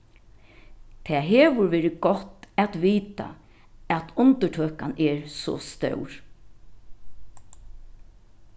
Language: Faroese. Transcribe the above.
tað hevur verið gott at vita at undirtøkan er so stór